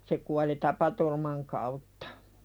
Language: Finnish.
se kuoli tapaturman kautta